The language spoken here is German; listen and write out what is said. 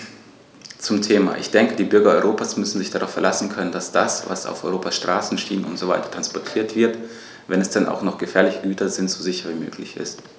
Zum Thema: Ich denke, die Bürger Europas müssen sich darauf verlassen können, dass das, was auf Europas Straßen, Schienen usw. transportiert wird, wenn es denn auch noch gefährliche Güter sind, so sicher wie möglich ist.